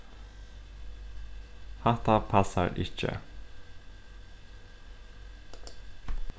hatta passar ikki